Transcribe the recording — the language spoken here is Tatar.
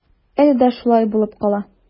Әле дә шулай булып кала.